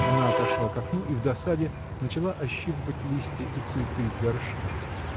Она отошла к окну и в досаде начала ощипывать листья и цветы в горшках.